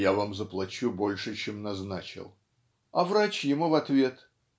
"Я вам заплачу больше, чем назначил", а врач ему в ответ